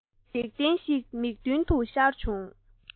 འཇིག རྟེན ཞིག མིག མདུན དུ ཤར བྱུང